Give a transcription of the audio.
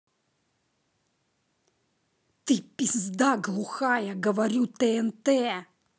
ты пизда глухая говорю тнт